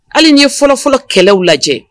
Hali ye fɔlɔfɔlɔ kɛlɛ lajɛ